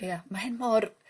Ie ma' hyn mor